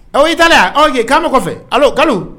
Ɔ i tila ye kan kɔfɛ kalo